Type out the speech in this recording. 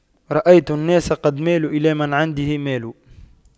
رأيت الناس قد مالوا إلى من عنده مال